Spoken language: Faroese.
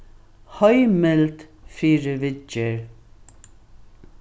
heimild fyri viðgerð